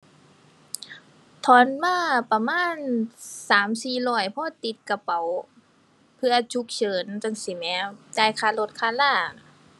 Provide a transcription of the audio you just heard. ถอนมาประมาณสามสี่ร้อยพอติดกระเป๋า เผื่อฉุกเฉินจั่งซี้แหม จ่ายค่ารถค่ารา